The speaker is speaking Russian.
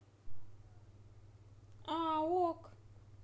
а ok